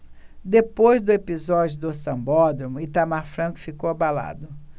depois do episódio do sambódromo itamar franco ficou abalado